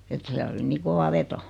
että siellä oli niin kova veto